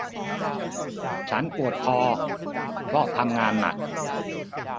ฉันปวดคอเพราะทำงานหนัก